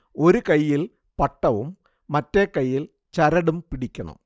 ഒരു കൈയ്യിൽ പട്ടവും മറ്റേ കൈയിൽ ചരടും പിടിക്കണം